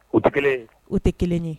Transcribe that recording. U tɛ kelen ye, u tɛ kelen ye